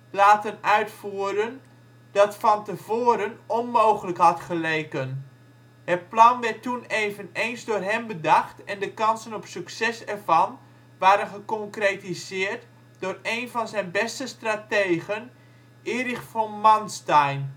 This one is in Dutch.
laten uitvoeren dat van tevoren onmogelijk had geleken. Het plan werd toen eveneens door hem bedacht en de kansen op succes ervan waren geconcretiseerd door een van zijn beste strategen, Erich von Manstein